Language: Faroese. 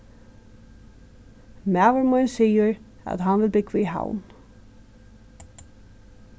maður mín sigur at hann vil búgva í havn